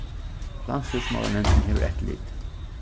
landsstýrismálanevndin hevur eftirlit